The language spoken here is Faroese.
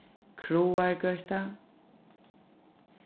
kráargøta